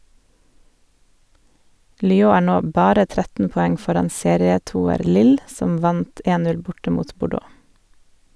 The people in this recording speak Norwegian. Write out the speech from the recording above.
Lyon er nå «bare» 13 poeng foran serietoer Lille, som vant 1-0 borte mot Bordeaux.